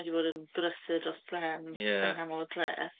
Mynd i fod yn brysur dros ben... Ie ...yng nghanol y dref.